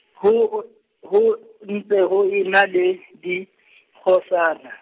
ho o-, ho ntse ho ena le dikgosana.